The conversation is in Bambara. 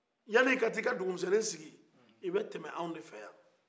yanni i ka tɛ i ka dugumisɛnni sigi i bɛ tɛmɛ an de fɛ yan